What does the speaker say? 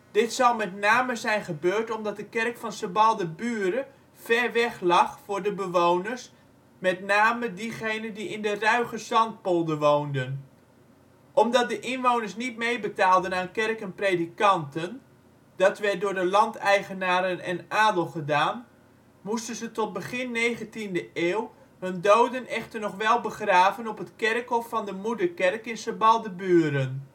Dit zal met name zijn gebeurd omdat de kerk van Sebaldeburen ver weg lag voor de bewoners, met name diegenen die in de Ruigezandpolder woonden. Omdat de inwoners niet meebetaalden aan kerk en predikanten (dat werd door de landeigenaren en adel gedaan), moesten ze tot begin 19e eeuw hun doden echter nog wel begraven op het kerkhof van de moederkerk in Sebaldeburen